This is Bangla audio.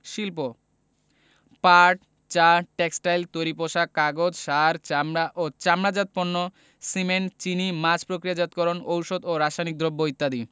শিল্পঃ পাট চা টেক্সটাইল তৈরি পোশাক কাগজ সার চামড়া ও চামড়াজাত পণ্য সিমেন্ট চিনি মাছ প্রক্রিয়াজাতকরণ ঔষধ ও রাসায়নিক দ্রব্য ইত্যাদি